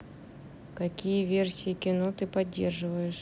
какие сервисы кино ты поддерживаешь